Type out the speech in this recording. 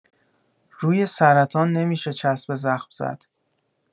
روی سرطان نمی‌شه چسب زخم زد